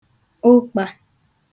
ụkpa